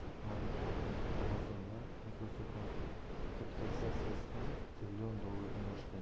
undan oldin apple amazon va microsoft kapitalizatsiyasi ham trillion dollardan oshgandi